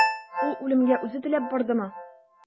Ул үлемгә үзе теләп бардымы?